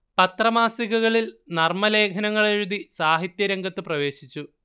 പത്രമാസികകളിൽ നർമലേഖനങ്ങളെഴുതി സാഹിത്യ രംഗത്തു പ്രവേശിച്ചു